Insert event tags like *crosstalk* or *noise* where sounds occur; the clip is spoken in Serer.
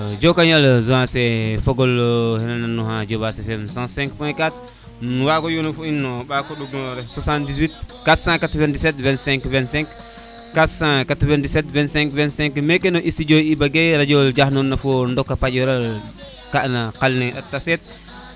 *music* jokonjal Zancier fogole na nan gilo xa jofas Fm 105.4 wago yono fo in no ɓako duŋ nuro le 784972525 4972525 meke no studio *music* iba gueye radio le jas noor na fo ndoka paƴora le kana no qal ne tase